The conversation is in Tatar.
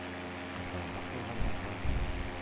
Кырда урак урганнарга.